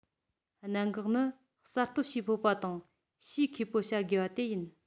གནད འགག ནི གསར གཏོད བྱེད ཕོད པ དང བྱེད མཁས པོ བྱ དགོས པ དེ ཡིན